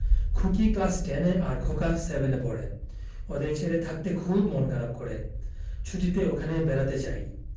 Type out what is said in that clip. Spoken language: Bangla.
খুকি ক্লাস টেন এ আর খোকা সেভেন এ পড়ে ওদের ছেড়ে থাকতে খুব মন খারাপ করে ছুটিতে ওখানে বেড়াতে যাই